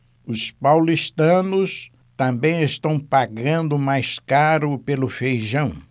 os paulistanos também estão pagando mais caro pelo feijão